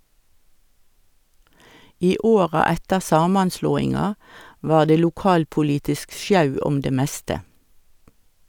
I åra etter samanslåinga var det lokalpolitisk sjau om det meste.